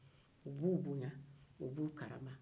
u b'u bonya u b'u karama